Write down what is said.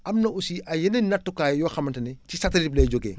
am na aussi ay yeneen nattukaay yoo xamate ne ci satelite bi lay jógee